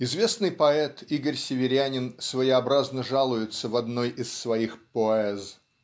Известный поэт Игорь Северянин своеобразно жалуется в одной из своих "поэз"